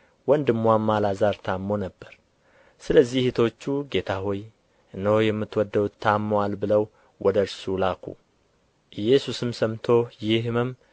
ወንድምዋም አልዓዛር ታሞ ነበር ስለዚህ እኅቶቹ ጌታ ሆይ እነሆ የምትወደው ታሞአል ብለው ወደ እርሱ ላኩ ኢየሱስም ሰምቶ ይህ ህመም